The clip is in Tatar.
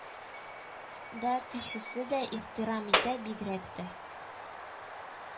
Да, кечесе дә ихтирам итә, бигрәк тә